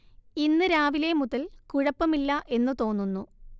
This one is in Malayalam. ഇന്ന് രാവിലെ മുതൽ കുഴപ്പമില്ല എന്ന് തോന്നുന്നു